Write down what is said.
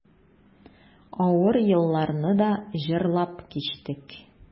Авыр елларны да җырлап кичтек.